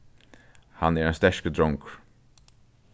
hann er ein sterkur drongur